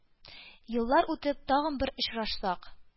Еллар үтеп, тагын бер очрашсак,